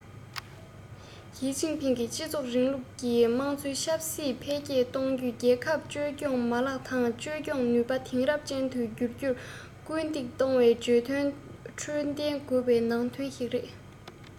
ཞིས ཅིན ཕིང གིས སྤྱི ཚོགས རིང ལུགས ཀྱི དམངས གཙོ ཆབ སྲིད འཕེལ རྒྱས གཏོང རྒྱུ ནི རྒྱལ ཁབ བཅོས སྐྱོང མ ལག དང བཅོས སྐྱོང ནུས པ དེང རབས ཅན དུ འགྱུར རྒྱུར སྐུལ འདེད གཏོང བའི བརྗོད དོན ཁྲོད ལྡན དགོས པའི ནང དོན ཞིག རེད